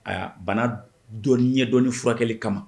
A'a bana dɔ ɲɛdɔni furakɛli kama